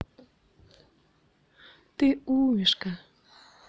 ты умишка